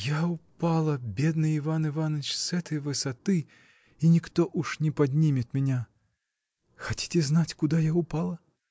— Я упала, бедный Иван Иваныч, с этой высоты, и никто уж не поднимет меня. Хотите знать, куда я упала?